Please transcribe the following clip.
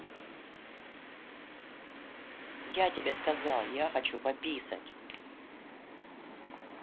я тебе сказал я хочу пописать